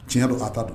Tiɲɛ don a t'a don